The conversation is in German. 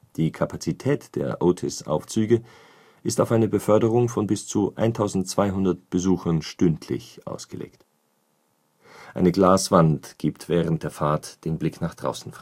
Die Kapazität der Otis-Aufzüge ist auf eine Beförderung von bis zu 1200 Besuchern stündlich ausgelegt. Eine Glaswand gibt während der Fahrt den Blick nach draußen